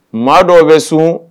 Maa dɔw bɛ sun